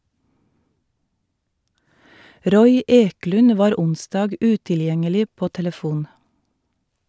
Roy Eklund var onsdag utilgjengelig på telefon.